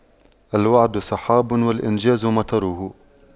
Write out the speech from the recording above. الوعد سحاب والإنجاز مطره